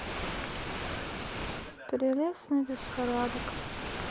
прелестный беспорядок